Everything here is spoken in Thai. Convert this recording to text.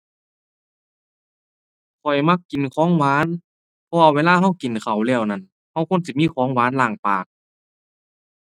ข้อยมักกินของหวาน เพราะว่าเวลาเรากินข้าวแล้วนั้น เราควรสิมีของหวานล้างปาก